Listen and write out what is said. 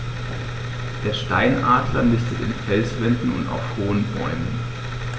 Der Steinadler nistet in Felswänden und auf hohen Bäumen.